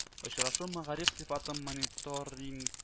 Очрашу Мәгариф сыйфатын мониторинг